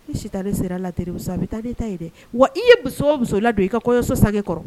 I sita sera latreri sa a bɛ taa ta ye dɛ wa i ye muso muso i don i kakɔyɔso sa kɔrɔ